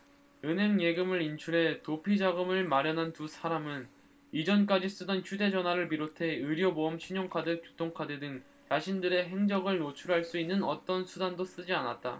은행 예금을 인출해 도피자금을 마련한 두 사람은 이전까지 쓰던 휴대전화를 비롯해 의료보험 신용카드 교통카드 등 자신들의 행적을 노출할 수 있는 어떤 수단도 쓰지 않았다